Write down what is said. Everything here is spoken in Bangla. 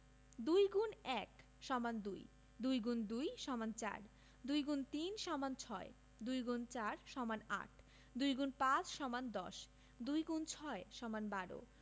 ২ X ১ = ২ ২ X ২ = ৪ ২ X ৩ = ৬ ২ X ৪ = ৮ ২ X ৫ = ১০ ২ X ৬ = ১২